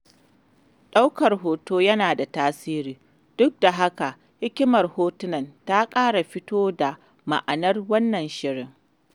'Ɗaukar hoto yana da tasiri, duk da haka hikimar hotunan ta ƙara fito da ma'anar wannan shirin.